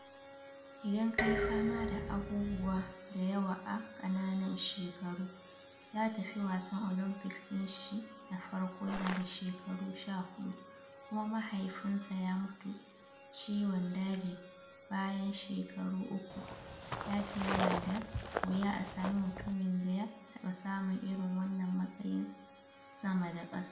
"Idan kayi fama da abubuwa da yawa a ƙananan shekaru" - ya tafi wasan Olympics din shi na farko yana da shekaru 14 kuma mahaifinsa ya mutu ciwon daji bayan shekaru uku - ya ce yana da wuya a sami mutumin da ya taɓa samun irin wannan matsayi sama da kasa.